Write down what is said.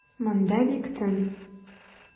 Монда бик тын.